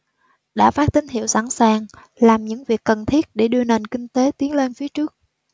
đã phát tín hiệu sẵn sàng làm những việc cần thiết để đưa nền kinh tế tiến lên phía trước